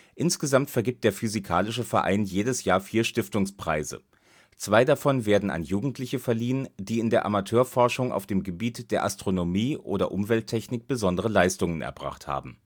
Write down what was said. Insgesamt vergibt der Physikalische Verein jedes Jahr vier Stiftungspreise; zwei davon werden an Jugendliche verliehen, die in der Amateurforschung auf dem Gebiet der Astronomie oder Umwelttechnik besondere Leistungen erbracht haben